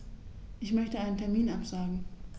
Ich möchte einen Termin absagen.